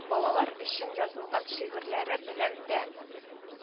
Балалар өчен язылган шигырьләре белән дә